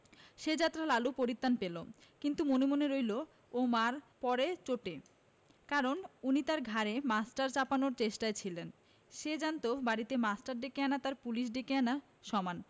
সে যাত্রা লালু পরিত্রাণ পেলে কিন্তু মনে মনে রইল ও মা'র 'পরে চটে কারণ উনি তার ঘাড়ে মাস্টার চাপানোর চেষ্টায় ছিলেন সে জানত বাড়িতে মাস্টার ডেকে আনা তার পুলিশ ডেকে আনা সমান